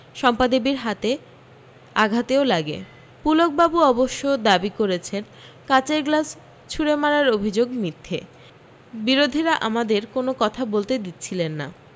শম্পাদেবীর হাতে আঘাতেও লাগে পুলকবাবু অবশ্য দাবি করেছেন কাঁচের গ্লাস ছুড়ে মারার অভি্যোগ মিথ্যে বিরোধীরা আমাদের কোনও কথা বলতে দিচ্ছিলেন না